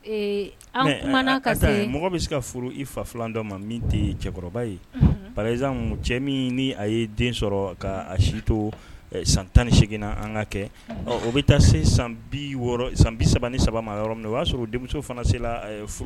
Mɔgɔ bɛ se ka furu i fa filan dɔ ma min cɛkɔrɔba ye paz cɛ min ni a ye den sɔrɔ ka si to san tan ni seginnana an ka kɛ o bɛ taa se san bi wɔɔrɔ san bi saba ni saba ma yɔrɔ min o y'a sɔrɔ denmuso fana se furu